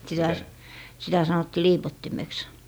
sitä - sitä sanottiin liipottimeksi